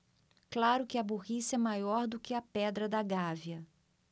claro que a burrice é maior do que a pedra da gávea